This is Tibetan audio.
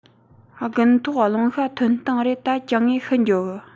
དགུན ཐོག རླུང ཤ ཐོན བཏང རས ད གྱང ངས ཤི འགྱོ གི